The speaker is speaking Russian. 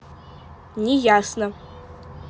не ясно